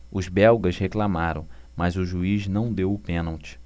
os belgas reclamaram mas o juiz não deu o pênalti